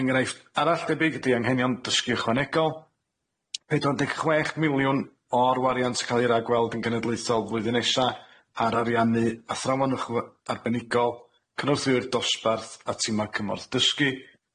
Engraofft arall debyg ydi anghenion dysgu ychwanegol pedwar deg chwech miliwn o'r wariant ca'l ei ragweld yn genedlaethol flwyddyn nesa ar ariannu athrawon ychwa- arbenigol cynorthwyr dosbarth a tima cymorth dysgu,